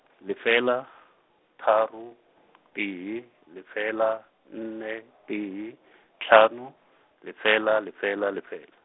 lefela, tharo, tee, lefela, nne, tee, hlano, lefela, lefela, lefela.